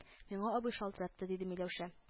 — миңа абый шалтыратты, — диде миләүшә